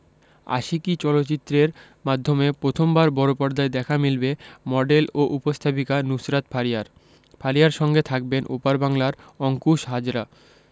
আশিকী চলচ্চিত্রের মাধ্যমে প্রথমবার বড়পর্দায় দেখা মিলবে মডেল ও উপস্থাপিকা নুসরাত ফারিয়ার ফারিয়ার সঙ্গে থাকবেন ওপার বাংলার অংকুশ হাজরা